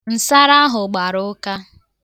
Nsara ahụ gbara ụka.